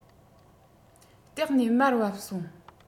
སྟེགས ནས མར བབས སོང